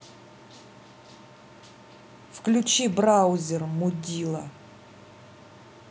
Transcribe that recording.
включи браузер мудила